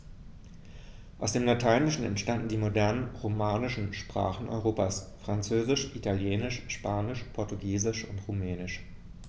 Aus dem Lateinischen entstanden die modernen „romanischen“ Sprachen Europas: Französisch, Italienisch, Spanisch, Portugiesisch und Rumänisch.